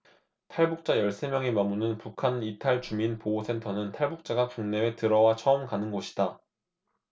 탈북자 열 세 명이 머무는 북한이탈주민보호센터는 탈북자가 국내에 들어와 처음 가는 곳이다